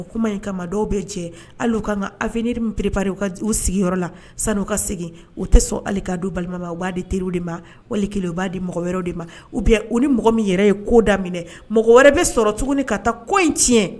O kuma in kama dɔw bɛ cɛ hal ui ka kan ka avenir min preparer u siginyɔrɔ la san'u ka segin u tɛ sɔn hali k'a di balima ma, u b'a di teri de ma, walima u b'a di mɔgɔ wɛrɛ de ma.U ni mɔgɔ min yɛrɛ ye ko da minɛ, mɔgɔ wɛrɛ bɛ sɔrɔ ka taa ko tiɲɛn.